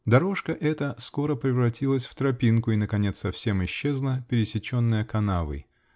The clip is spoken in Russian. Дорожка эта скоро превратилась в тропинку и наконец совсем исчезла, пересеченная канавой.